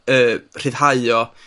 yy rhyddhau o,